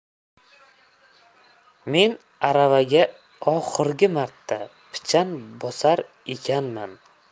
men aravaga oxirgi marta pichan bosar ekanman